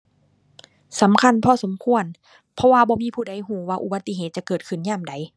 สำคัญพอสมควร เพราะว่าบ่มีผู้ใดรู้ว่าอุบัติเหตุจะเกิดขึ้นยามใด